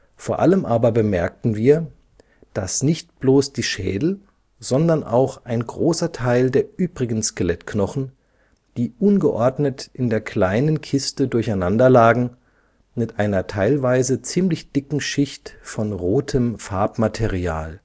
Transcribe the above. …] Vor allem aber bemerkten wir, daß nicht bloß die Schädel, sondern auch ein großer Teil der übrigen Skelettknochen, die ungeordnet in der kleinen Kiste durcheinanderlagen, mit einer teilweise ziemlich dicken Schicht von rotem Farbmaterial